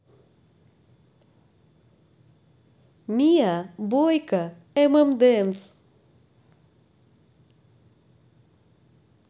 mia boyka эмэмдэнс